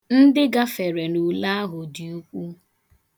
Ndị gafere n' ule ahụ dị ukwu